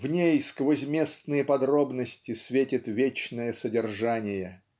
В ней сквозь местные подробности светит вечное содержание.